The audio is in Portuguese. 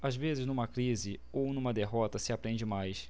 às vezes numa crise ou numa derrota se aprende mais